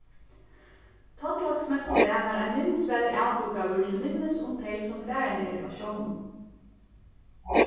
tollaksmessudag varð ein minnisvarði avdúkaður til minnis um tey sum farin eru á sjónum